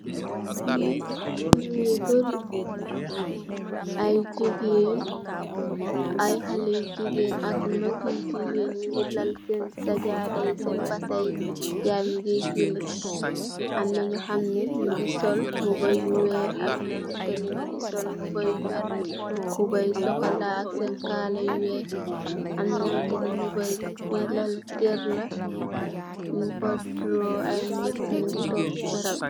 Fi nit yu bari ay jigèen ay haley jigéen ak ay mag yu jigéen nungi tal senn sajaada yi, senn basang yi. Guy yi nungi suli, amna nu hamnè nungi sol mbuba yu weeh, amna nyo hamantene nungi sol mbuba yu vert, mbuba yu sokola ak senn kala yu weeh. Amna nyo hamnè mbuba yu, fi lal kër la nung fa drew ay nit ñungi toog ci pèron.